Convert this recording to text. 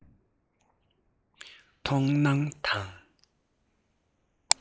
མཐོང སྣང དང